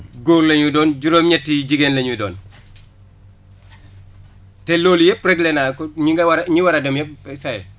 góor la ñuy doon juróom-ñett yi jigéen la ñuy doon te loolu yëpp réglé naa ko ñi nga war a ñi wa&r a dem yëpp ça y est